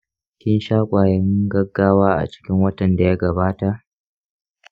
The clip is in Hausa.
kin sha kwayar gaggawa a cikin watan da ya gabata?